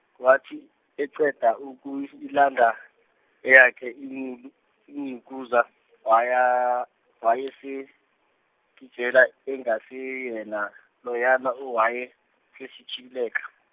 wathi eqeda ukuyilanda eyakhe uMxu- uMxukuza waya wayesekijela- engaseyena loyana owayesekhicileka.